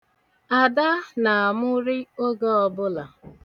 Ada na-amụrị oge ọbụla.